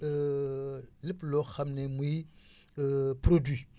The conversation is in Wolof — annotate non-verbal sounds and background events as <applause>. <hesitation> lépp loo xam ni muy <breath> <hesitation> produit